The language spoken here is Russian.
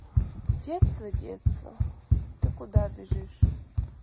детство детство ты куда бежишь